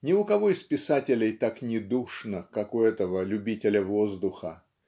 Ни у кого из писателей так не душно, как у этого любителя воздуха.